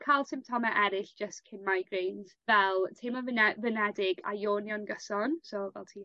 ca'l symptome eryll jyst cyn migraines fel teimlo'n fine- flinedig a yawnio'n gyson, so fel ti...